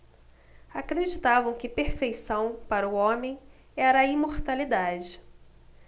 acreditavam que perfeição para o homem era a imortalidade